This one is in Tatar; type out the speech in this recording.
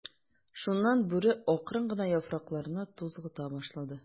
Шуннан Бүре акрын гына яфракларны тузгыта башлады.